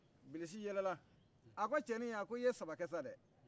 bilisi yɛlɛla a ko cɛnin o a ko i ye saba kɛ sa dɛhh